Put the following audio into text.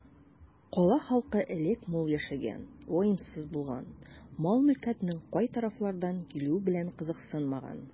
Кала халкы элек мул яшәгән, ваемсыз булган, мал-мөлкәтнең кай тарафлардан килүе белән кызыксынмаган.